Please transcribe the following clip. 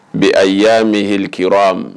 Bi a y'a mɛn hakiliki